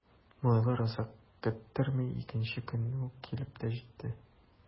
Малайлар озак көттерми— икенче көнне үк килеп тә җитә.